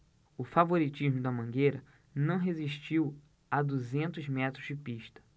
o favoritismo da mangueira não resistiu a duzentos metros de pista